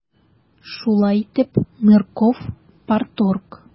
Шулай итеп, Нырков - парторг.